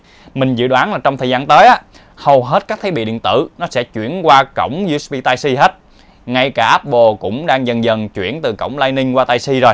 mình dự đoán là trong thời gian tới hầu hết các thiết bị điện tử sẽ chuyển qua cổng usbtypec hết ngay cả apple cũng đang dần dần chuyển từ cổng lightning qua typec rồi